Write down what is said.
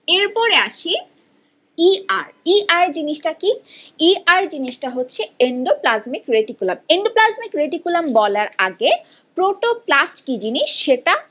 এর পরে আসি ই আর ই আর জিনিসটা কি ই আর জিনিসটা হচ্ছে এন্ডোপ্লাজমিক রেটিকুলাম এন্ডোপ্লাজমিক রেটিকুলাম বলার আগে প্রোটোপ্লাস্ট কি জিনিস সেটা